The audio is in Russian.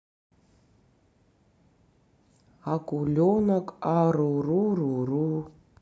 акуленок уруруруру